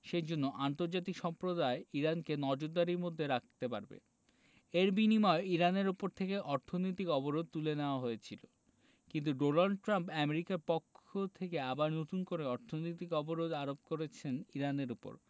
সে জন্য আন্তর্জাতিক সম্প্রদায় ইরানকে নজরদারির মধ্যে রাখতে পারবে এর বিনিময়ে ইরানের ওপর থেকে অর্থনৈতিক অবরোধ তুলে নেওয়া হয়েছিল কিন্তু ডোনাল্ড ট্রাম্প আমেরিকার পক্ষ থেকে আবার নতুন করে অর্থনৈতিক অবরোধ আরোপ করেছেন ইরানের ওপর